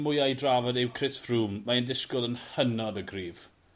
mwya i drafod yw Chris Froome mae e'n disgwl yn hynod y gryf.